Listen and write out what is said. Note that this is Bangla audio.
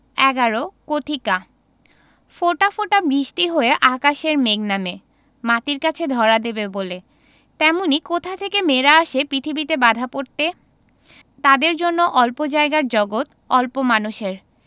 ১১ কথিকা ফোঁটা ফোঁটা বৃষ্টি হয়ে আকাশের মেঘ নামে মাটির কাছে ধরা দেবে বলে তেমনি কোথা থেকে মেয়েরা আসে পৃথিবীতে বাঁধা পড়তে তাদের জন্য অল্প জায়গার জগত অল্প মানুষের